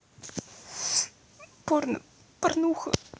порно порнуха